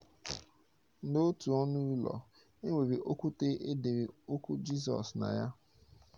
N'otu ọnụ ụlọ, e nwere okwute e dere okwu Jizọs na ya.